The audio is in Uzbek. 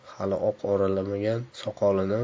hali oq oralamagan soqolini